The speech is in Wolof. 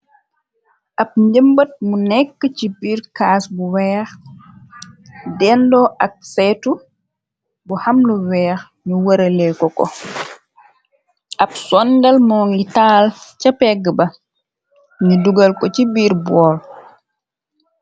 ab njëmbat mu nekk ci biir caas bu weex dendoo ak setu bu xam lu weex ñu wëralee ko ko ab sondal mo ngi taal ca pegg ba ni dugal ko ci biir bowl.